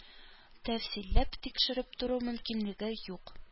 Тәфсилләп тикшереп тору мөмкинлеге юк